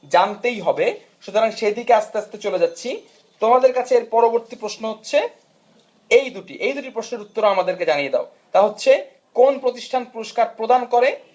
জানতেই হবে সুতরাং সে দিকে আস্তে আস্তে চলে যাচ্ছি তোমাদের কাছে পরবর্তী প্রশ্ন হচ্ছে এই দুটি এই দুটি প্রশ্নের উত্তর আমাদেরকে জানিয়ে দাও কোন প্রতিষ্ঠান পুরস্কার প্রদান করে